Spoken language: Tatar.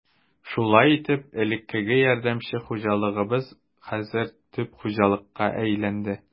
Шулай итеп, элеккеге ярдәмче хуҗалыгыбыз хәзер төп хуҗалыкка әйләнде.